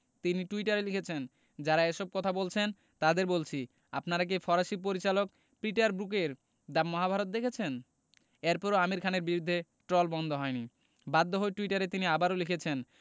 তিনি টুইটারে লিখেছেন যাঁরা এসব কথা বলছেন তাঁদের বলছি আপনারা কি ফরাসি পরিচালক পিটার ব্রুকের “দ্য মহাভারত” দেখেছেন এরপরও আমির খানের বিরুদ্ধে ট্রল বন্ধ হয়নি বাধ্য হয়ে টুইটারে তিনি আবারও লিখেছেন